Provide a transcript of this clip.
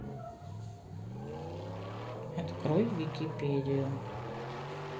открой википедию